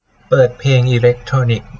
เปิดเพลงอิเลกโทรนิค